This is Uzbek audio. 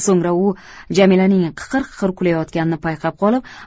so'ngra u jamilaning qiqir qiqir kulayotganini payqab qolib